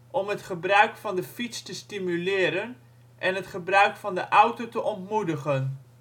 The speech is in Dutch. om het gebruik van de fiets te stimuleren en het gebruik van de auto te ontmoedigen